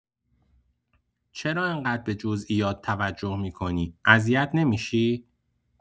چرا اینقدر به جزئیات توجه می‌کنی، اذیت نمی‌شی؟